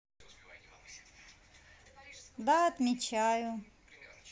да отмечаю